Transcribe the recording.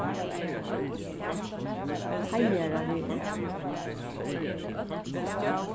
heiðaravegur